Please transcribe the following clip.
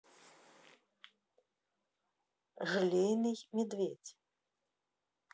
желейный медведь